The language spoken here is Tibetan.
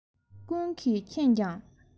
ཀུན གྱིས མཁྱེན ཀྱང